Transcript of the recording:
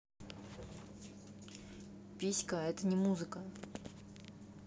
писька это не музыка